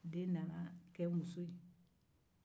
den nana ke muso ye